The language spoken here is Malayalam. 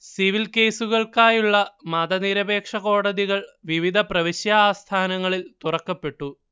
സിവിൽ കേസുകൾക്കായുള്ള മതനിരപേക്ഷകോടതികൾ വിവിധ പ്രവിശ്യആസ്ഥാനങ്ങളിൽ തുറക്കപ്പെട്ടു